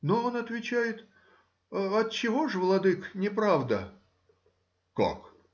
Но он отвечает: — Отчего же, владыко, неправда? — Как?.